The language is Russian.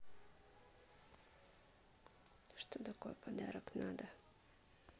что такое подарок надо